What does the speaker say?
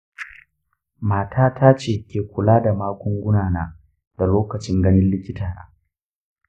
matata ce ke kula da magungunana da lokutan ganin likitana.